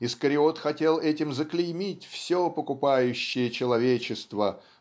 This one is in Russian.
Искариот хотел этим заклеймить все покупающее человечество